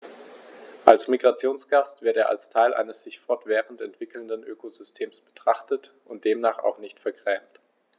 Als Migrationsgast wird er als Teil eines sich fortwährend entwickelnden Ökosystems betrachtet und demnach auch nicht vergrämt.